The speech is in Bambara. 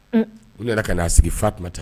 U nana ka n'a sigi Fatumata